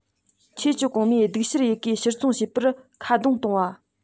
ཆོས ཀྱི གོང མས སྡིག གཤེགས ཡི གེ ཕྱིར འཚོང བྱས པར ཁ རྡུང བཏང བ